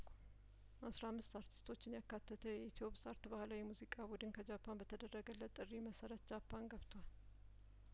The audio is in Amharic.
አስራ አምስት አርቲስቶችን ያካተተው የኢትዮፕስ አርት ባህላዊ የሙዚቃ ቡድን ከጃፓን በተደረገለት ጥሪ መሰረት ጃፓን ገብቷል